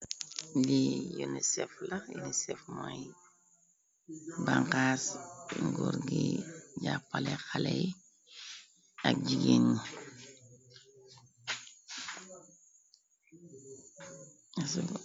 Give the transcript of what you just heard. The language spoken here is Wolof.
Li yonisef la, yonisef mooy banxaas nguor gi ja pale xaley ak jigéen ñi.